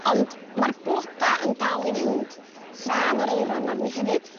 Ond ma'r bloda yn dal i fynd tra ma'r aeron arni hefyd.